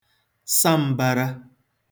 sa m̄bārā